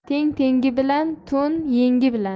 teng tengi bilan to'n yengi bilan